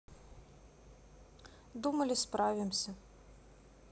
думали справимся